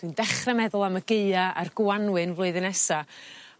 dwi'n dechre meddwl am y Gaea a'r Gwanwyn flwyddyn nesa.